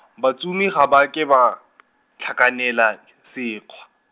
batsomi ga ba ke ba , tlhakanela , sekgwa.